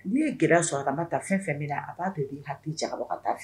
N'i ye gɛlɛya sɔrɔ a ka na taa fɛn fɛn min na a b'a de b' ha jan ka taa fɛ